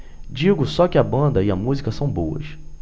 digo só que a banda e a música são boas